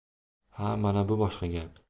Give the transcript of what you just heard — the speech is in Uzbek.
ha mana bu boshqa gap